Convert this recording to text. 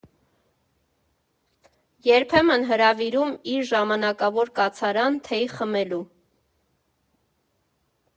Երբեմն հրավիրում իր ժամանակավոր կացարան՝ թեյ խմելու։